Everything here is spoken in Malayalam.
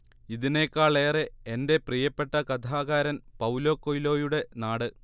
ഇതിനേക്കാളേറെ എന്റെ പ്രിയപ്പെട്ട കഥാകാരൻ പൌലോ കൊയ്ലോയുടെ നാട്